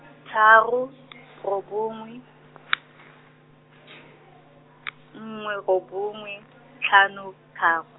tharo , robongwe , nngwe robongwe, tlhano, tharo.